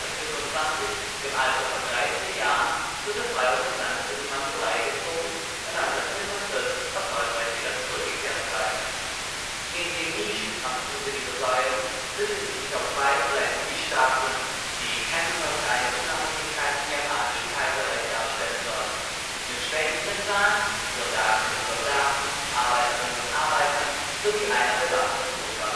1925 im Alter von 13 Jahren zur Befreiung des Landes in die Mandschurei gezogen und 1945 erfolgreich wieder zurückgekehrt sein. In den Nischen am Fuße dieser Säulen befinden sich auf beiden Seiten je Statuen, die Kämpfer für eine Unabhängigkeit vom Japanischen Kaiserreich darstellen sollen; mit schwenkenden Fahnen, Soldatinnen und Soldaten, Arbeiterinnen und Arbeitern, sowie eine bewaffneten Mutter